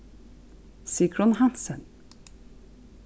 sigrun hansen